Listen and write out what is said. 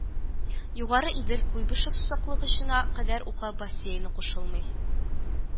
Югары Идел, Куйбышев сусаклагычына кадәр Ука бассейны кушылмый